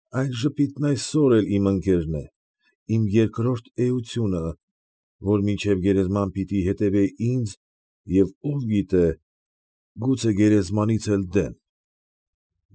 Այդ ժպիտն այսօր էլ իմ ընկերն է, իմ երկրորդ էությունը, որ միայն գերեզման պիտի հետևե ինձ և ով՛ գիտե, գուցե գերեզմանից էլ դեն։